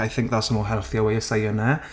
I think that's a more healthier way of saying it.